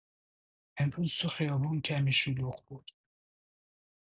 امروز تو خیابون کمی شلوغ بود.